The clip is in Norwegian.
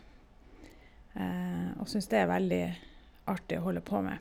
Og syns det er veldig artig å holde på med.